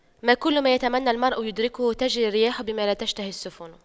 ما كل ما يتمنى المرء يدركه تجرى الرياح بما لا تشتهي السفن